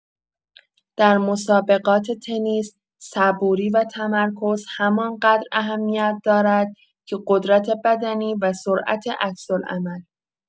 در مسابقات تنیس، صبوری و تمرکز همان‌قدر اهمیت دارد که قدرت‌بدنی و سرعت عکس‌العمل.